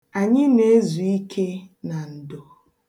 Anyị na-ezu ike na ndo.